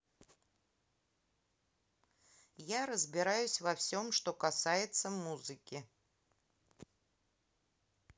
я разбираюсь во всем что касается музыки